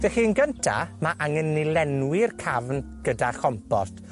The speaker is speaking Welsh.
Felly yn gynta, ma' angen i ni lenwi'r cafn gyda chompost.